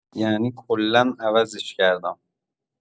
یعنی کلا عوضش کردم.